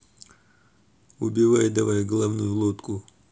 убивай давай головную лодку